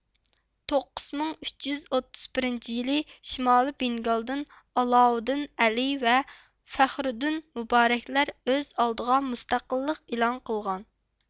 توققۇز مىڭ ئۈچ يۈز ئوتتۇز بىرىنچى يىلى شىمالىي بېنگالدىن ئالاۋۇددىن ئەلى ۋە فەخرۇددىن مۇبارەكلەر ئۆز ئالدىغا مۇستەقىللىق ئېلان قىلغان